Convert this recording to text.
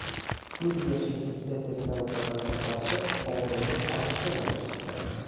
Күз яшен сөртә-сөртә утырган бер карчык авыруның анасы булып чыкты.